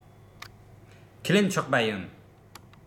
ཁས ལེན ཆོག པ ཡིན